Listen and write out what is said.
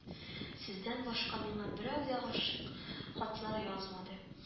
Сездән башка миңа берәү дә гайшык хатлар язмады